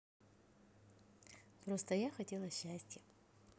просто я хотела счастья